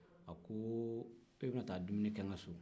a ko e bɛna taa dumini kɛ n ka so